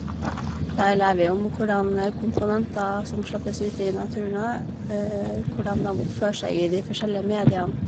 Der lærer vi om hvordan komponenter som slippes ut i naturen, åe hvordan dem oppfører seg i de forskjellige mediene.